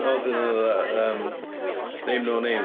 Wedyn oedd y, yym, name no names.